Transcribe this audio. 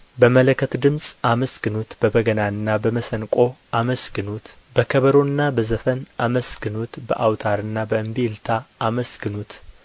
በመለከት ድምፅ አመስግኑት በበገናና በመሰንቆ አመስግኑት በከበሮና በዘፈን አመስግኑት በአውታርና በእምቢልታ አመስግኑት